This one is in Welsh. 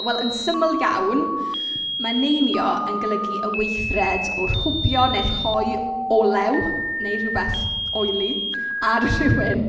Wel yn syml iawn, ma' eneinio yn golygu y weithred o'r rhwbio neu rhoi olew neu rhywbeth oily ar rywun.